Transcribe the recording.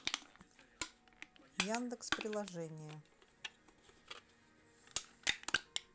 яндекс приложение